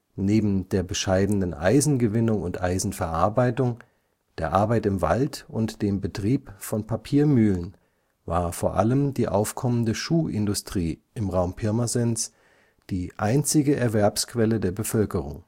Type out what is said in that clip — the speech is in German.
Neben der bescheidenen Eisengewinnung und - verarbeitung, der Arbeit im Wald und dem Betrieb von Papiermühlen war vor allem die aufkommende Schuhindustrie im Raum Pirmasens die einzige Erwerbsquelle der Bevölkerung